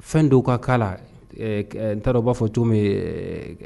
Fɛn dɔw ka kaana la n taara u b'a fɔ cogo